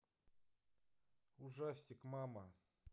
ужастик мама